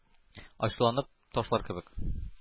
Ачуланып ташлар кебек.